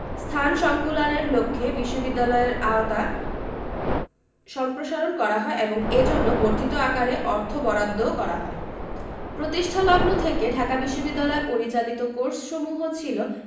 স্থান সংকুলানের লক্ষ্যে বিশ্ববিদ্যালয়ের আওতা সম্প্রসারণ করা হয় এবং এজন্য বর্ধিত আকারে অর্থ বরাদ্দও করা হয় প্রতিষ্ঠালগ্ন থেকে ঢাকা বিশ্ববিদ্যালয় পরিচালিত কোর্সসমূহ ছিল